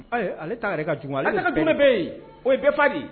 Ale taa yɛrɛ ka ju ale bɛ yen o ye bɛɛ fa di